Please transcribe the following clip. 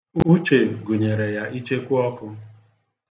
Uche gụnyere ya ichekụọkụ.